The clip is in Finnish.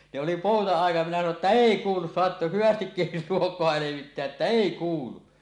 ne oli pouta-ajat minä sanoin että ei kuulu saat hyvästi luokoa levittää että ei kuulu